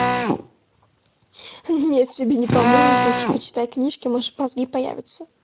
нет тебе не поможет лучше почитай книжки может мозги появятся